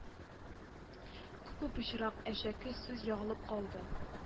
Күпме пычрак, әшәке сүз ягылып калды